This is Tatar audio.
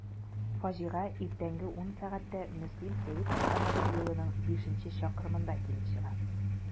Фаҗига 10.00 сәгатьтә Мөслим–Сәет автомобиль юлының бишенче чакрымында килеп чыга.